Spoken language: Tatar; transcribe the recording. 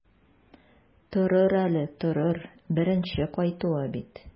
Торыр әле, торыр, беренче кайтуы бит.